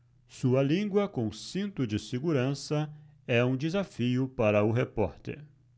sua língua com cinto de segurança é um desafio para o repórter